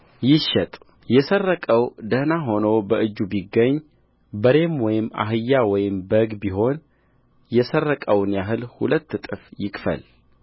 ይሸጥ የሰረቀው ደኅና ሆኖ በእጁ ቢገኝ በሬም ወይም አህያ ወይም በግ ቢሆን የሰረቀውን ያህል ሁለት እጥፍ ይክፈል